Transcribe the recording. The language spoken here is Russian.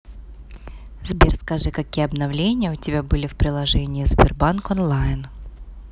сбер скажи какие обновления у тебя были в приложении сбербанк онлайн